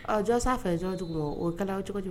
Jaa san fɛ jɔn dugu o kɛlɛ o cogo